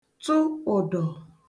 tụ ụ̀dọ̀